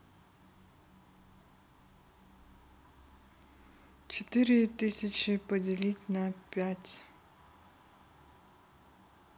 четыре тысячи поделить на пять